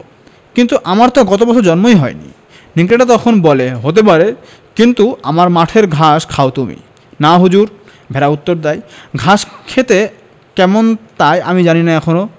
কিন্তু আমার তো গত বছর জন্মই হয়নি নেকড়েটা তখন বলে হতে পারে কিন্তু আমার মাঠের ঘাস খাও তুমি না হুজুর ভেড়া উত্তর দ্যায় ঘাস খেতে কেমন তাই আমি জানি না এখনো